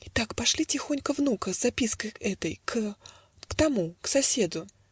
- Итак, пошли тихонько внука С запиской этой к О. к тому. К соседу.